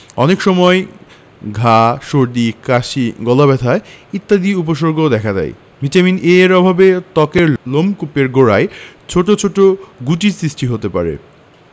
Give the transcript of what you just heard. অনেক সময় ঘা সর্দি কাশি গলাব্যথা ইত্যাদি উপসর্গও দেখা দেয় ভিটামিন A এর অভাবে ত্বকের লোমকূপের গোড়ায় ছোট ছোট গুটির সৃষ্টি হতে পারে